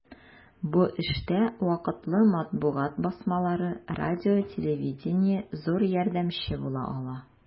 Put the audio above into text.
Бу эштә вакытлы матбугат басмалары, радио-телевидение зур ярдәмче була ала.